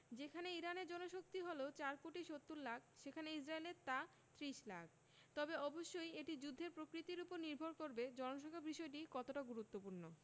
যেখানে ইরানের জনশক্তি হলো ৪ কোটি ৭০ লাখ সেখানে ইসরায়েলের তা ৩০ লাখ তবে অবশ্যই এটি যুদ্ধের প্রকৃতির ওপর নির্ভর করবে জনসংখ্যার বিষয়টি কতটা গুরুত্বপূর্ণ